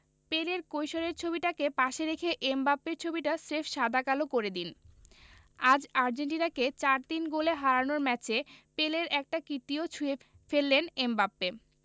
পেলের কৈশোরের ছবিটাকে পাশে রেখে এমবাপ্পের ছবিটা স্রেফ সাদা কালো করে দিন আজ আর্জেন্টিনাকে ৪ ৩ গোলে হারানোর ম্যাচে পেলের একটা কীর্তিও ছুঁয়ে ফেললেন এমবাপ্পে